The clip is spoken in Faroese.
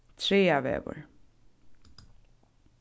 traðavegur